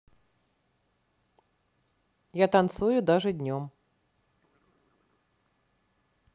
я танцую даже днем